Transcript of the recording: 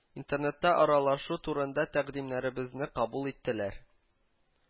Интернетта аралашу турында тәкъдимнәребезне кабул иттеләр